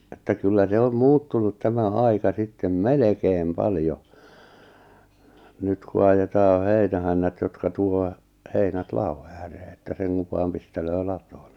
että kyllä se on muuttunut tämä aika sitten melkein paljon nyt kun ajetaan heinähännät jotka tuo heinät ladon ääreen että sen kun vain pistelee latoon ne